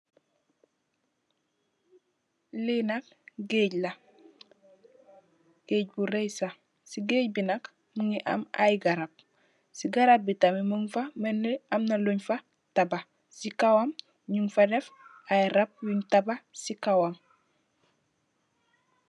Li nak gaaj la gaaj bu ray sax. Si gaaj bi nak mugii am ay garap si garap bi tamid mung fa melni am ma ling fa tabax.